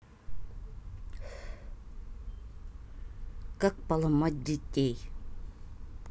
как поломать детей